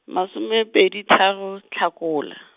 masomepedi tharo, Hlakola.